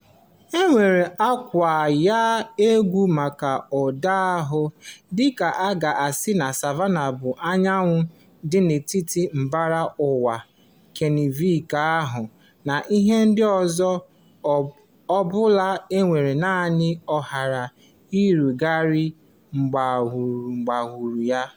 E nwere nkwanye ugwu maka ụda ahụ: dịka a ga-asị na Savannah bụ anyanwụ dị n'etiti mbara ụwa Kanịva ahụ na ihe ndị ọzọ ọ bụla nwere naanị ohere irugharị gburugburu ya.